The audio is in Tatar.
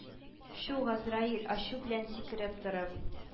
Чү, газраил, ачу белән сикереп торып,